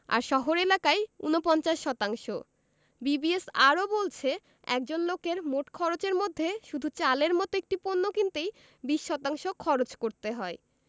আর শহর এলাকায় ৪৯ শতাংশ বিবিএস আরও বলছে একজন লোকের মোট খরচের মধ্যে শুধু চালের মতো একটি পণ্য কিনতেই ২০ শতাংশ খরচ করতে হয়